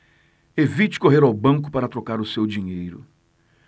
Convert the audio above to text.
evite correr ao banco para trocar o seu dinheiro